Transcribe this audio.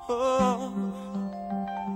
Nse